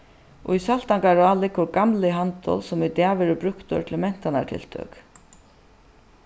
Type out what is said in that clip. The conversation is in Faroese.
í saltangará liggur gamli handil sum í dag verður brúktur til mentanartiltøk